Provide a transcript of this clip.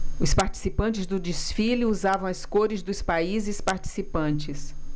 os participantes do desfile usavam as cores dos países participantes